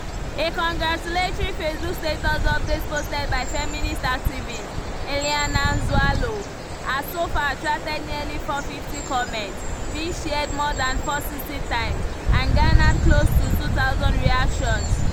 A congratulatory Facebook status update posted by feminist activist Eliana Nzualo, has so far attracted nearly 450 comments, been shared more than 460 times, and garnered close to 2,000 reactions: